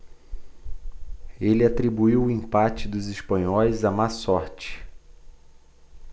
ele atribuiu o empate dos espanhóis à má sorte